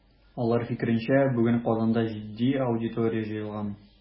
Алар фикеренчә, бүген Казанда җитди аудитория җыелган.